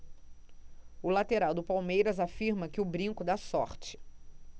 o lateral do palmeiras afirma que o brinco dá sorte